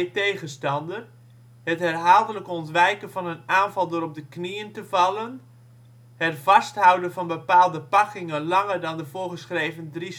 tegenstander, het herhaaldelijk ontwijken van een aanval door op de knieën te vallen, het vasthouden van bepaalde pakkingen langer dan de voorgeschreven drie